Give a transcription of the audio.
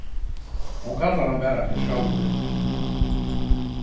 hon kallar hann bara fyri skaldið